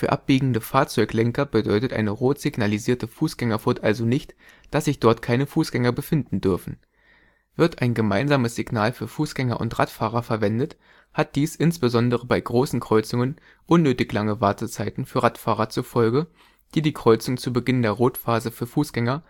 abbiegende Fahrzeuglenker bedeutet eine rot signalisierte Fußgängerfurt also nicht, dass sich dort keine Fußgänger befinden dürfen. Wird ein gemeinsames Signal für Fußgänger und Radfahrer verwendet, hat dies insbesondere bei großen Kreuzungen unnötig lange Wartezeiten für Radfahrer zur Folge, die die Kreuzung zu Beginn der Rotphase für Fußgänger